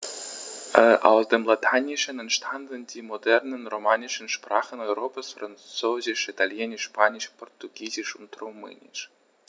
Aus dem Lateinischen entstanden die modernen „romanischen“ Sprachen Europas: Französisch, Italienisch, Spanisch, Portugiesisch und Rumänisch.